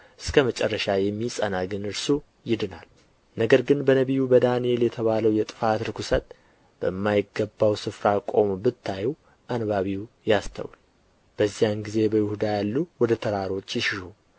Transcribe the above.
እስከ መጨረሻ የሚጸና ግን እርሱ ይድናል ነገር ግን በነቢዩ በዳንኤል የተባለውን የጥፋት ርኵሰት በማይገባው ስፍራ ቆሞ ብታዩ አንባቢው ያስተውል በዚያን ጊዜ በይሁዳ ያሉ ወደ ተራሮች ይሽሹ